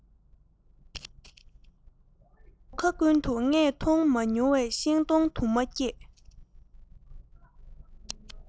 མུ ཁ ཀུན ཏུ ངས མཐོང མ མྱོང བའི ཤིང སྡོང དུ མ སྐྱེས